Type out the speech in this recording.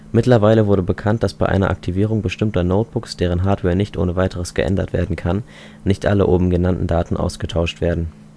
Mittlerweile wurde bekannt, dass bei einer Aktivierung bestimmter Notebooks, deren Hardware nicht ohne weiteres geändert werden kann, nicht alle obengenannten Daten ausgetauscht werden